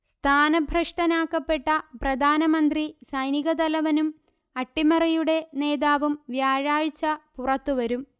സ്ഥാനഭ്രഷ്ടനാക്കപ്പെട്ട പ്രധാനമന്ത്രി സൈനികതലവനും അട്ടിമറിയുടെ നേതാവും വ്യാഴാഴ്ച പുറത്തുവരും